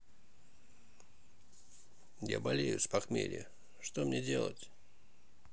я болею с похмелья что мне делать